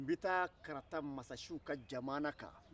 n bɛ taa karata mansasiw ka jamana kan